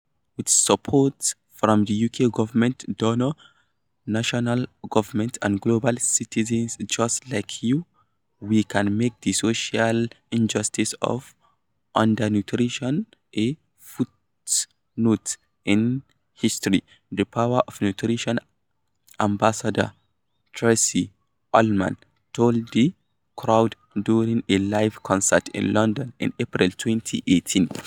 "With support from the UK government, donors, national governments, and Global Citizens just like you, we can make the social injustice of undernutrition a footnote in history," The Power of Nutrition ambassador Tracey Ullman told the crowd during a live concert in London in April 2018.